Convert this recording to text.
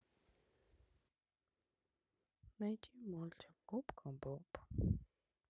найти мультик губка боб